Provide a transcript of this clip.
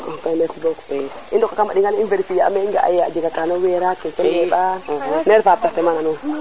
wa kay merci beaucoup i ndoka kama ɗingale i verifier ye i nga a ye a jega kaana weera keke leeɓa ne refa pertement na nuun